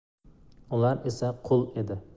ular esa qul edi